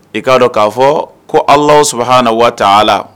I ka dɔn ka fɔ ko Alahu subahana watala